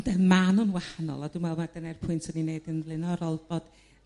Ydan ma' nhw'n wahanol a dwi me'wl mai dynae'r pwynt o'n i'n 'neud yn flaenorol bod...